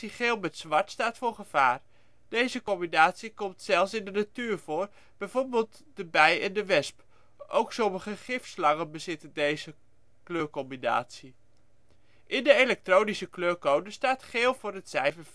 geel met zwart staat voor gevaar. Deze combinatie komt zelfs in de natuur voor, bijvoorbeeld de bij en de wesp. Ook sommige gifslangen bezitten deze kleurcombinatie. In de elektronische kleurcode staat geel voor het cijfer